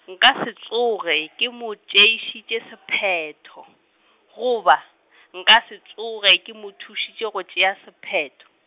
nka se tsoge ke mo tšeišitše sephetho, goba , nka se tsoge ke mo thušitše go tšea sephetho.